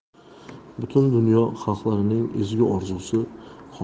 butun dunyo xalqlarining ezgu